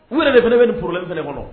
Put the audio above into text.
U yɛrɛ de fana bɛ ni porolen fana kɔnɔ